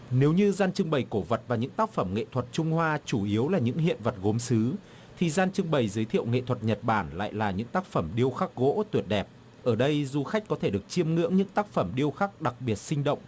nếu như gian trưng bày cổ vật và những tác phẩm nghệ thuật trung hoa chủ yếu là những hiện vật gốm sứ thì gian trưng bày giới thiệu nghệ thuật nhật bản lại là những tác phẩm điêu khắc gỗ tuyệt đẹp ở đây du khách có thể được chiêm ngưỡng những tác phẩm điêu khắc đặc biệt sinh động